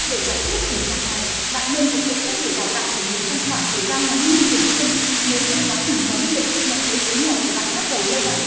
để giải quyết tình trạng này bạn nên thực hiện các buổi đào tạo của mình trong khoảng thời gian ngắn nhưng thường xuyên nếu trong quá trình huấn luyện nhận thấy chú mèo của bạn bắt đầu lơ đãng